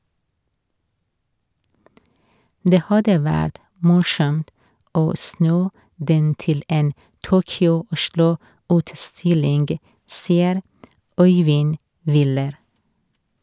Det hadde vært morsomt å snu den til en "Tokyo-Oslo-utstilling", sier Øyvind Wyller.